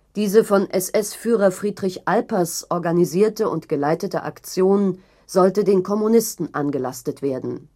Diese von SS-Führer Friedrich Alpers organisierte und geleitete Aktion sollte „ den Kommunisten “angelastet werden